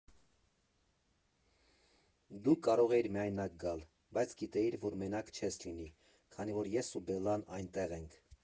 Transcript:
Դու կարող էիր միայնակ գալ, բայց գիտեիր, որ մենակ չես լինի, քանի որ ես ու Բելլան այնտեղ ենք։